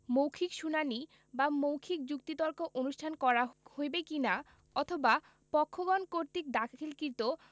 মৌখিক শুনানী বা মৌখিক যুক্তিতর্ক অনুষ্ঠান করা হইবে কিনা অথবা পক্ষগণ কর্তৃক দাখিলকৃত